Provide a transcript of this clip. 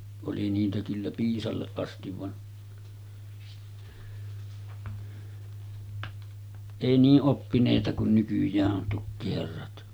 oli niitä kyllä piisalle asti vaan ei niin oppineita kuin nykyään on tukkiherrat